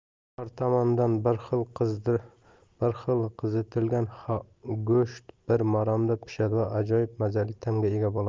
har tomondan bir xil qizitilgan go'sht bir maromda pishadi va ajoyib mazali tamga ega bo'ladi